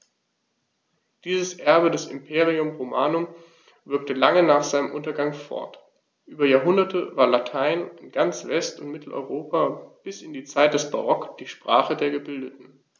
Dieses Erbe des Imperium Romanum wirkte lange nach seinem Untergang fort: Über Jahrhunderte war Latein in ganz West- und Mitteleuropa bis in die Zeit des Barock die Sprache der Gebildeten.